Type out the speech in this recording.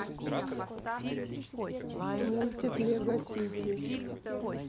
мультик лего сити